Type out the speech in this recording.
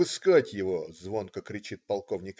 обыскать его!" - звонко кричит полк.